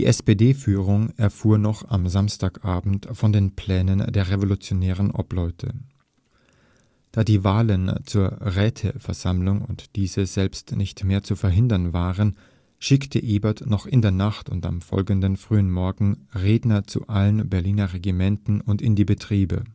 SPD-Führung erfuhr noch am Samstagabend von den Plänen der Revolutionären Obleute. Da die Wahlen zur Räteversammlung und diese selbst nicht mehr zu verhindern waren, schickte Ebert noch in der Nacht und am folgenden frühen Morgen Redner zu allen Berliner Regimentern und in die Betriebe